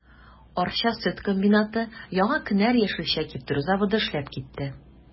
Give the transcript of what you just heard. Арча сөт комбинаты, Яңа кенәр яшелчә киптерү заводы эшләп китте.